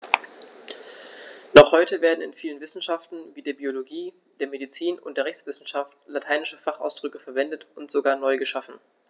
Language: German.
Noch heute werden in vielen Wissenschaften wie der Biologie, der Medizin und der Rechtswissenschaft lateinische Fachausdrücke verwendet und sogar neu geschaffen.